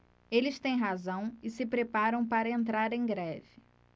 eles têm razão e se preparam para entrar em greve